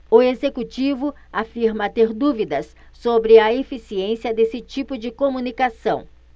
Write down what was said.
o executivo afirma ter dúvidas sobre a eficiência desse tipo de comunicação